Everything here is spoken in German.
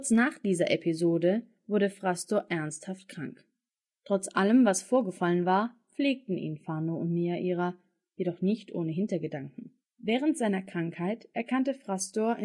nach dieser Episode wurde Phrastor ernsthaft krank. Trotz allem, was vorgefallen war, pflegten ihn Phano und Neaira, wohl nicht ohne Hintergedanken. Während seiner Krankheit erkannte Phrastor